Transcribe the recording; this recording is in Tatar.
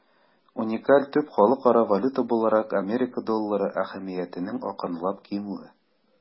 Уникаль төп халыкара валюта буларак Америка доллары әһәмиятенең акрынлап кимүе.